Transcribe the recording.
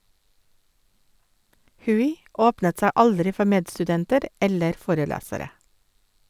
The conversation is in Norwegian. Hui åpnet seg aldri for medstudenter eller forelesere.